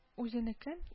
Үзенекен